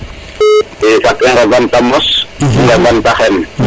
i fat i ngeman te mos ngeman te xen